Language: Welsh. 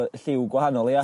Oedd y lliw gwahanol ia?